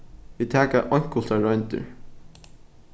vit taka einkultar royndir